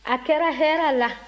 a kɛra hɛrɛ la